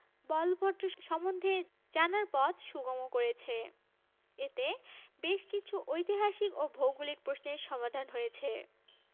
বলভট্ট সম্বন্ধে জানার পথ সুগম করেছে এতে বেশ কিছু ঐতিহাসিক ও ভৌগোলিক প্রশ্নের সমাধান হয়েছে